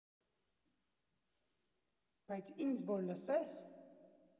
Բայց ինձ որ լսես…